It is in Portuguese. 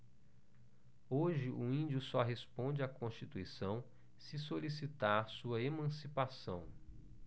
hoje o índio só responde à constituição se solicitar sua emancipação